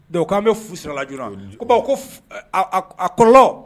- Donc k'an bɛ fu siri a la joona, ko f bon a ko a kɔlɔlɔ